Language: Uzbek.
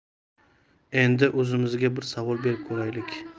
endi o'zimizga bir savol berib ko'raylik